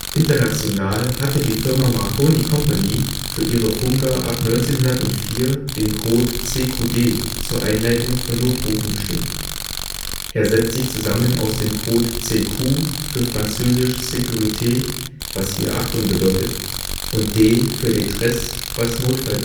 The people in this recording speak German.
International hatte die Firma Marconi Company für ihre Funker ab 1904 den Code CQD zur Einleitung von Notrufen bestimmt. Er setzt sich zusammen aus dem Code CQ für französisch sécurité (hier: „ Achtung! “) und D für détresse („ Notfall